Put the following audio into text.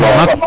faa maak